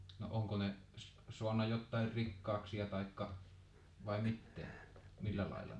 no onko ne - saanut jotakin rikkauksia tai vai mitä millä lailla ne